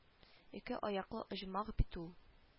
Ике аяклы оҗмах бит ул